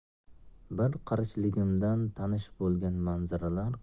bir qarichligimdan tanish bo'lgan manzaralar